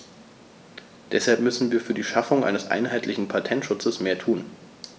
Deshalb müssen wir für die Schaffung eines einheitlichen Patentschutzes mehr tun.